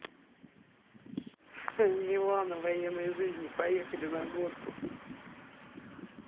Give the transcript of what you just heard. милана военной жизни поехали на горку